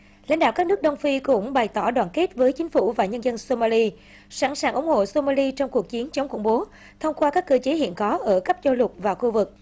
lãnh đạo các nước đông phi cũng bày tỏ đoàn kết với chính phủ và nhân dân sô ma li sẵn sàng ủng hộ sô ma li trong cuộc chiến chống khủng bố thông qua các cơ chế hiện có ở cấp châu lục và khu vực